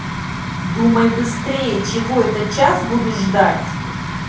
думай быстрее чего это час буду ждать